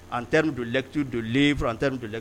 en terme de lècture de livre en terme de lèc